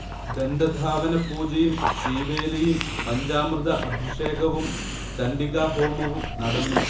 ദന്തധാവനപൂജയും ശീവേലിയും പഞ്ചാമൃത അഭിഷേകവും ചണ്ഡികാഹോമവും നടന്നു